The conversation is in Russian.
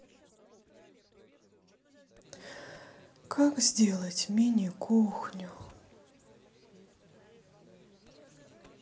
как сделать мини кухню